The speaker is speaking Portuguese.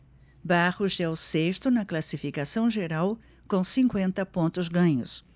barros é o sexto na classificação geral com cinquenta pontos ganhos